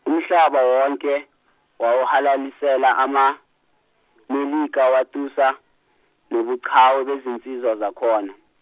umhlaba wonke wawahalalisela amaMelika watusa nobuqhawe bezinsizwa zakhona.